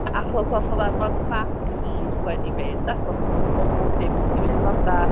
Achos fatha 'na... mae'r bach o'r hud wedi mynd, achos ti'n gwybod bob dim sy 'di mynd fatha...